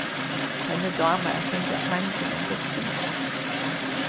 henni dámar at syngja sangin um dukkuna